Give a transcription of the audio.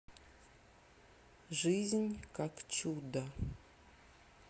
жизнь как чудо